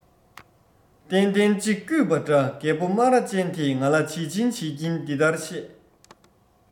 གཏན གཏན ཅི ཞིག བརྐུས པ འདྲ རྒད པོ སྨ ར ཅན དེས ང ལ བྱིལ བྱིལ བྱེད ཀྱིན འདི ལྟར བཤད